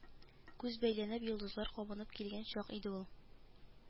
Күз бәйләнеп, йолдызлар кабынып килгән чак иде ул